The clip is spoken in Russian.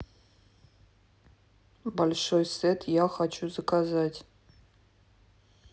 большой сет я хочу заказать